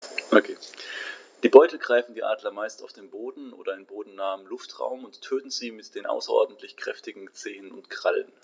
Die Beute greifen die Adler meist auf dem Boden oder im bodennahen Luftraum und töten sie mit den außerordentlich kräftigen Zehen und Krallen.